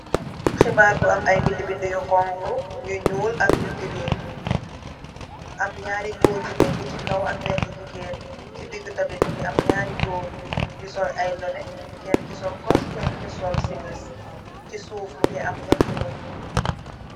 Heebar bu am ay bindi-bindi yu honku, yu ñuul ak yu green. Am ñaari gòor yu nek ci kaw ak benen jigéen ci digi tamit mungi am ñaari gòor yu sol ay lonèt, kenn ki so cost Kenn ki sol simiss. Chi suuf mungi am ñett nit.